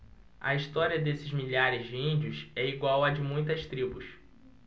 a história desses milhares de índios é igual à de muitas tribos